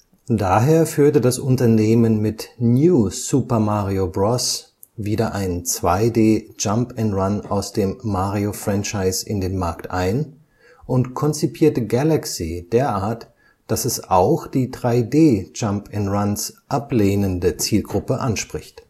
Daher führte das Unternehmen mit New Super Mario Bros. (Nintendo DS, 2006) wieder ein 2D-Jump -’ n’ - Run aus dem Mario-Franchise in den Markt ein und konzipierte Galaxy derart, dass es auch die 3D-Jump -’ n’ - Runs ablehnende Zielgruppe anspricht